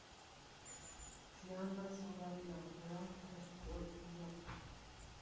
Դիանա Զոհրաբյան, Հրանտ Թրթրյան։